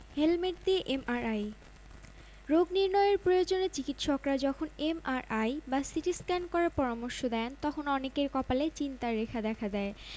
কারণ প্রায় নাটকেই দেখা যায় গল্প ঠিক থাকে না শুরুর দিকে কিছুটা ঠিক থাকলেও শেষের দিকে গল্প ঝুলে যায় কিংবা সাবজেক্টের বাইরে চলে যায় তাই পুরো স্ক্রিপ্ট হাতে না পেলে এবং নাটকের সর্বশেষ অবস্থা কী থাকছে